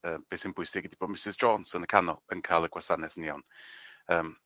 Yy beth sy'n bwysig ydi bo' Misys Jons yn y canol yn ca'l y gwasanaeth yn iawn. Yym.